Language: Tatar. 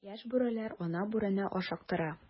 Яшь бүреләр ана бүрене ашыктыра.